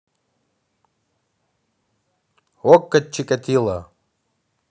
okko чикатило